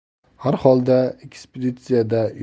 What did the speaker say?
har holda ekspeditsiyada